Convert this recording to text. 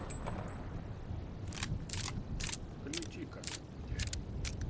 включи канал дудя